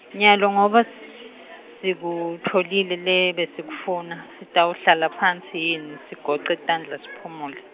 nyalo ngoba, sikutfolile lebesikufuna, sitawuhlala phansi yini, sigoce tandla siphumule.